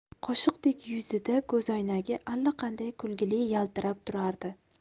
qoshiqdek yuzida ko'zoynagi allaqanday kulgili yaltirab turardi